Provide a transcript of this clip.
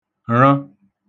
rə̣